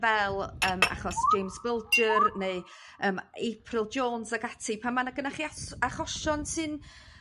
fel yym achos James Bulger neu yym April Jones ac ati pan ma' 'na gynychu aths- achosion sy'n